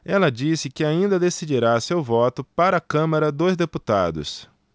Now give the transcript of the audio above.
ela disse que ainda decidirá seu voto para a câmara dos deputados